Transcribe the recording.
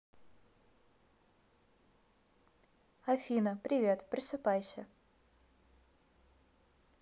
афина привет просыпайся